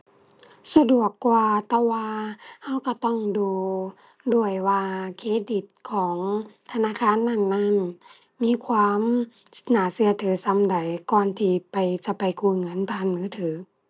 สะดวกกว่า แต่ว่าเราเราต้องดูด้วยว่าเครดิตของธนาคารนั้นนั้นมีความน่าเราถือส่ำใด ก่อนที่ไป จะไปกู้เงินผ่านมือถือ